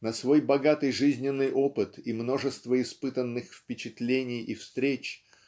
на свой богатый жизненный опыт и множество испытанных впечатлений и встреч